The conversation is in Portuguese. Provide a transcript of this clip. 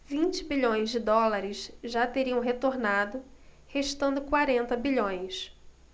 vinte bilhões de dólares já teriam retornado restando quarenta bilhões